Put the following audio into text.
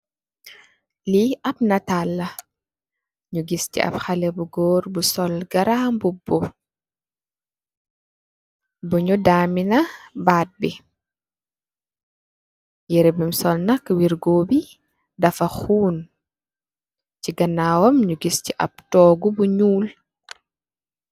Lii ab nataal la, ñu gis si ab xalé bu goor bu sol garambu bu ñu daa mina baat bi yiree bum sol nak dafa xuun. Si ganaawam, si ganaw nyu giiss fa ab toggu bu nyul.